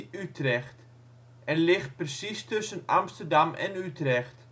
Utrecht en ligt precies tussen Amsterdam en Utrecht